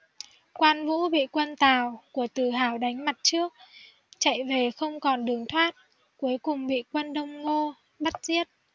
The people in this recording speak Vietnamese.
quan vũ bị quân tào của từ hoảng đánh mặt trước chạy về không còn đường thoát cuối cùng bị quân đông ngô bắt giết